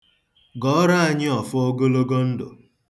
Gọọrọ anyị ọfọ ogologo ndụ.